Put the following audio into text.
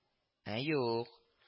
Ә ююк